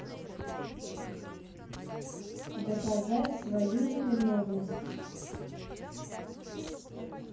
доказать свою невиновность